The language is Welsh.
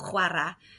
chwarae